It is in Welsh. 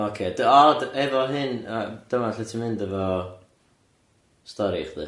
O ocê d- o efo hyn yy dyma lle ti'n mynd efo stori chdi.